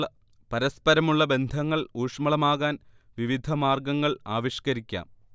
പരസ്പരമുള്ള ബന്ധങ്ങൾ ഊഷ്ളമാകാൻ വിവിധ മാർഗങ്ങൾ ആവിഷ്കരിക്കാം